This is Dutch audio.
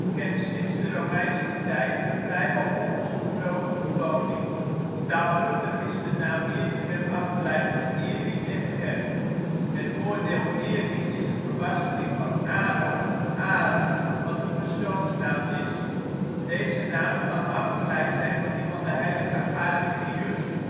kent sinds de Romeinse tijd een vrijwel ononderbroken bewoning. Taalkundig is de naam Erichem afgeleid van Eri en chem. Het woorddeel ' Eri ' is een verbastering van ' Aro ' of ' Are ', wat een persoonsnaam is. Deze naam kan afgeleid zijn van die van de heilige Aregius